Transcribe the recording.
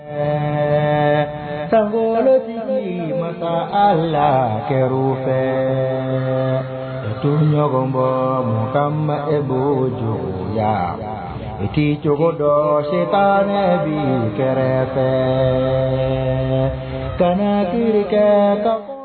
sanbolotigi ma taa a la kɛ fɛ tunɲɔgɔnbɔ mɔgɔ ma e' joli la iki cogo dɔ setan ne bi kɛrɛfɛ fɛ kana tile